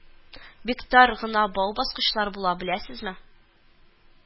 Бик тар гына бау баскычлар була, беләсезме